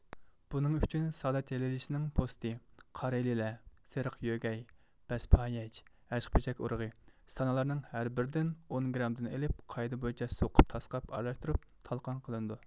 بۇنىڭ ئۈچۈن سازەج ھېلىلىسىنىڭ پوستى قارا ھېلىلە سېرىق يۆگەي بەسپايەج ھەشقىپىچەك ئۇرۇغى سانا لارنىڭ ھەر بىرى ئون گىرامدىن ئېلىپ قائىدە بويىچە سوقۇپ تاسقاپ ئارىلاشتۇرۇپ تالقان قىلىنىدۇ